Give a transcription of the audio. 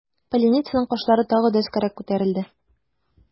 Поляницаның кашлары тагы да өскәрәк күтәрелде.